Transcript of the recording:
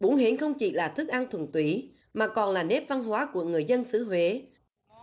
bún hiến không chỉ là thức ăn thuần túy mà còn là nét văn hóa của người dân xứ huế